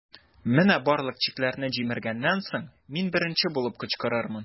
Менә барлык чикләрне җимергәннән соң, мин беренче булып кычкырырмын.